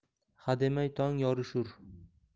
hademay tong yorishur